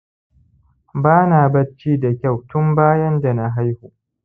bana bacci da kyau tun bayan dana haihu